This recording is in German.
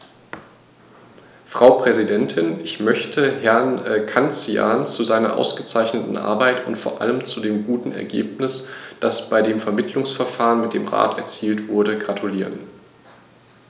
Frau Präsidentin, ich möchte Herrn Cancian zu seiner ausgezeichneten Arbeit und vor allem zu dem guten Ergebnis, das bei dem Vermittlungsverfahren mit dem Rat erzielt wurde, gratulieren.